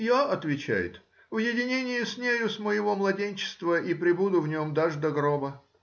— Я,— отвечает,— в единении с нею с моего младенчества и пребуду в нем даже до гроба.